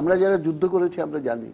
আমরা যারা যুদ্ধ করেছে আমরা জানি